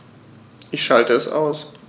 Ich schalte es aus.